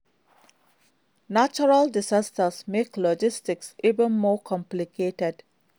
Natural disasters make logistics even more complicated.